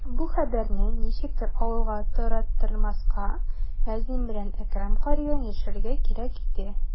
Бу хәбәрне ничектер авылга тараттырмаска, мәзин белән Әкрәм каридан яшерергә кирәк иде.